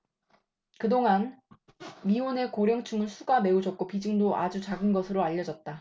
그동안 미혼의 고령층은 수가 매우 적고 비중도 아주 작은 것으로 알려졌다